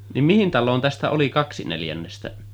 niin mihin taloon tästä oli kaksi neljännestä